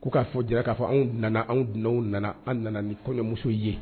K'a fɔ jara k'a fɔ anw nana anwanw nana anw nana ni kɔɲɔmuso ye